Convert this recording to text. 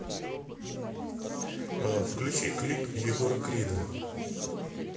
включи клип егора крида